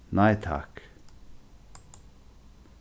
nei takk